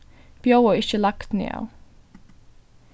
bjóða ikki lagnuni av